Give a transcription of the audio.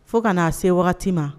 Fo kana naa se wagati ma